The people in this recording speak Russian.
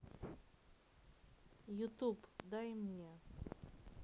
youtube дай мне